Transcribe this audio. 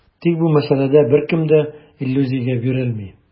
Тик бу мәсьәләдә беркем дә иллюзиягә бирелми.